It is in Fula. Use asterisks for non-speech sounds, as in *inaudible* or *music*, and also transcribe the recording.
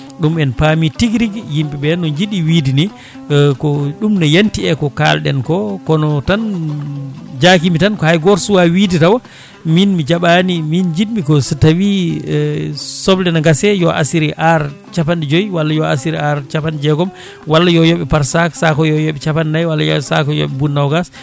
ɗum en paami tigui rigui yimɓeɓe no jiiɗi wiide ni *hesitation* ko ɗum ne yanti e ko kalɗen ko kono tan jakimi tan ko hay goto suwa wiide taw min mi jaɓani min jinmi ko so tawi soble ne gaase o asire are capanɗe joyyi walla yo asire are capanɗe jeegom walla yo yooɓe par sac sac sac o yo yooɓe capannayyi walla yo yooɓe yo sac o yooɓe buun nogas